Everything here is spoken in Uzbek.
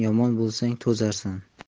yomon bo'lsang to'zarsan